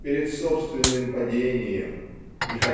перед собственным падением и